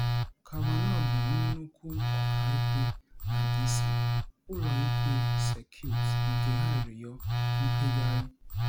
Kavanaugh bụ nnukwu ọka ikpe na D.C. Ụlọ Ikpe Sekuit nke Arịrịọ Mkpegharị.